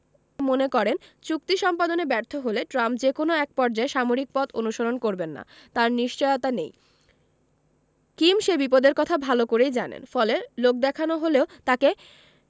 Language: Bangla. মনে করেন চুক্তি সম্পাদনে ব্যর্থ হলে ট্রাম্প যে কোনো একপর্যায়ে সামরিক পথ অনুসরণ করবেন না তার নিশ্চয়তা নেই কিম সে বিপদের কথা ভালো করেই জানেন ফলে লোকদেখানো হলেও তাঁকে